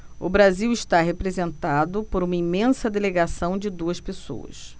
o brasil está representado por uma imensa delegação de duas pessoas